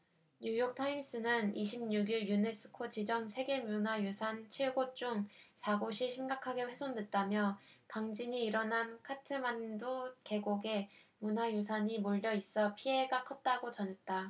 뉴욕타임스는 이십 육 일 유네스코 지정 세계문화유산 칠 곳 중 사 곳이 심각하게 훼손됐다며 강진이 일어난 카트만두 계곡에 문화유산이 몰려 있어 피해가 컸다고 전했다